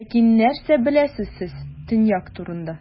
Ләкин нәрсә беләсез сез Төньяк турында?